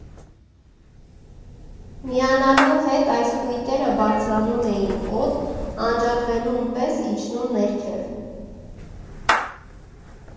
«Միանալու հետ այս կույտերը բարձրանում էին օդ, անջատվելուն պես՝ իջնում ներքև։